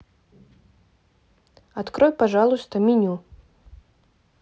открой пожалуйста меню